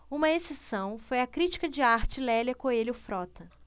uma exceção foi a crítica de arte lélia coelho frota